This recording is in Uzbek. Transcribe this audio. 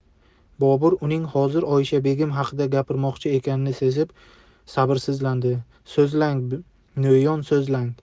bobur uning hozir oyisha begim haqida gapirmoqchi ekanini sezib sabrsizlandi so'zlang no'yon so'zlang